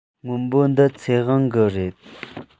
སྔོན པོ འདི ཚེ དབང གི རེད